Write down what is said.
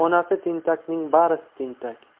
onasi tentakning barisi tentak